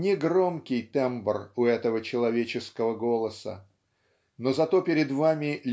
не громкий тембр у этого человеческого голоса. Но зато перед вами